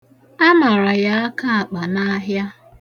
A mara ya akaakpa n'ahịa.